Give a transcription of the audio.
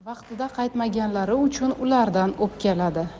vaqtida qaytmaganlari uchun ulardan o'pkaladi